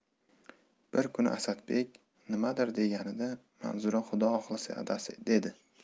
bir kuni asadbek nimadir deganida manzura xudo xohlasa adasi dedi